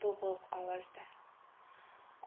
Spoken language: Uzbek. bo'g'iq ovozda